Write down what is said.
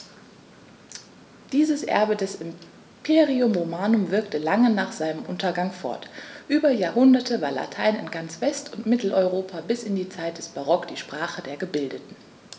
Dieses Erbe des Imperium Romanum wirkte lange nach seinem Untergang fort: Über Jahrhunderte war Latein in ganz West- und Mitteleuropa bis in die Zeit des Barock die Sprache der Gebildeten.